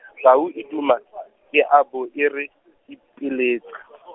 tau e duma, e a bo e re ipeletsa.